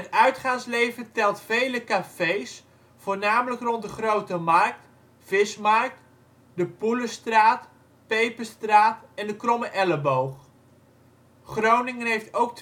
uitgaansleven telt vele cafés, voornamelijk rond de Grote Markt, Vismarkt, de Poelestraat, Peperstraat en de Kromme Elleboog. Groningen heeft ook